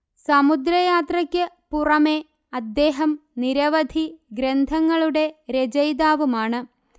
സമുദ്ര യാത്രക്ക് പുറമെ അദ്ദേഹം നിരവധി ഗ്രന്ഥങ്ങളുടെ രചയിതാവുമാണ്